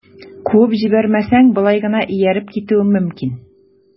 Куып җибәрмәсәң, болай гына ияреп китүем мөмкин...